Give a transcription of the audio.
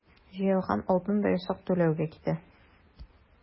Җыелган алтын да ясак түләүгә китә.